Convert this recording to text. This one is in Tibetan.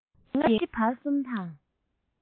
ཁྱོད ཀྱིས སྔ ཕྱི བར གསུམ དང